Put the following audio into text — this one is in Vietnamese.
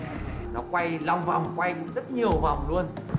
nó quay lòng vòng quay rất nhiều vòng luôn